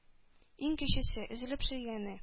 Иң кечесе, өзелеп сөйгәне.